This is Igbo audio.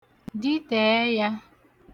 dite ẹyā